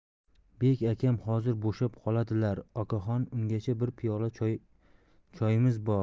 bek akam hozir bo'shab qoladilar okaxon ungacha bir piyola choyimiz bor